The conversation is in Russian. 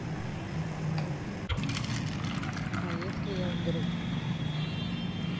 а если я вдруг